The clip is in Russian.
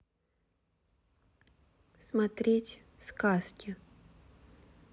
смотреть сказки